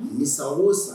Ni san oo san